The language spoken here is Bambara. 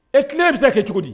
Ɛ tilenya bɛ se kɛ cogo di